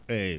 eeyi